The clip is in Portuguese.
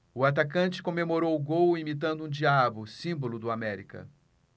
o atacante comemorou o gol imitando um diabo símbolo do américa